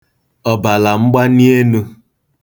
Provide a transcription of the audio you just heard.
ọ̀bàlàmgbanienū